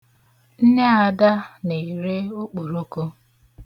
Nne Ada na-ere okpòrokō.